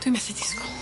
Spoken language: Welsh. Dwi methu disgwl.